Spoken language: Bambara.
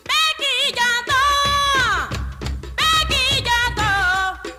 Bɛɛ k'i janto, bɛɛ k'i janto!